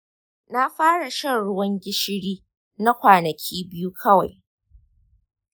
na fara shan ruwan gishiri na kwanaki biyu kawai